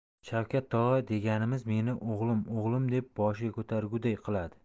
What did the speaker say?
shavkat tog'a deganimiz meni o'g'lim o'g'lim deb boshiga ko'targuday qiladi